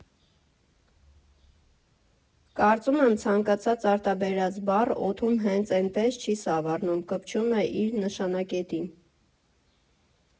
Կարծում եմ՝ ցանկացած արտաբերած բառ օդում հենց էնպես չի սավառնում, կպչում է իր նշանակետին։